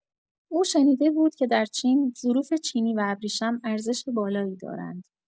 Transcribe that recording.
او شنیده بود که در چین، ظروف چینی و ابریشم ارزش بالایی دارند.